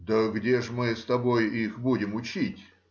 — Да где же мы с тобою их будем учить?